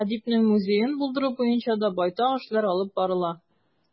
Әдипнең музеен булдыру буенча да байтак эшләр алып барыла.